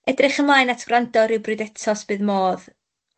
Edrych ymlaen at gwrando rywbryd eto os bydd modd.